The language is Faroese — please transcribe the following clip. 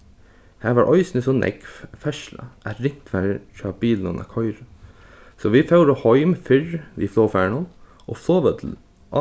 har var eisini so nógv ferðsla at ringt var hjá bilunum at koyra so vit fóru heim fyrr við flogfarinum